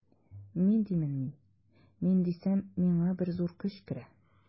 Мин димен мин, мин дисәм, миңа бер зур көч керә.